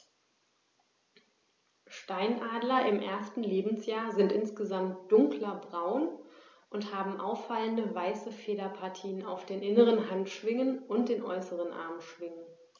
Steinadler im ersten Lebensjahr sind insgesamt dunkler braun und haben auffallende, weiße Federpartien auf den inneren Handschwingen und den äußeren Armschwingen.